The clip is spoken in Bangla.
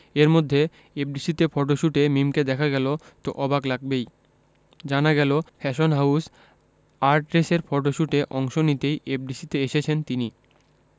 এরমধ্যে এফডিসিতে ফটোশুটে মিমকে দেখা গেল তো অবাক লাগবেই জানা গেল ফ্যাশন হাউজ আর্টরেসের ফটশুটে অংশ নিতেই এফডিসিতে এসেছেন তিনি